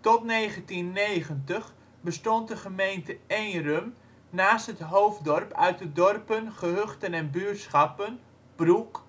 Tot 1990 bestond de gemeente Eenrum naast het hoofddorp uit de dorpen, gehuchten en buurtschappen: Broek,